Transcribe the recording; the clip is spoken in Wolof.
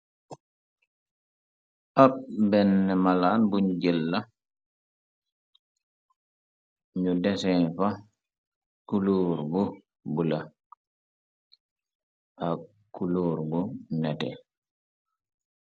Ab benn malaan buñ jëlla, ñu desen fax kuluur bu bu la, ak kuluur bu nete.